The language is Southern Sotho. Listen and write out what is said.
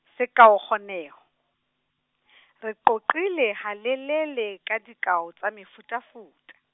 sekaokgoneho , re qoqile halelele ka dikao tsa mefutafuta.